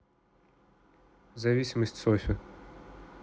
зависимость софи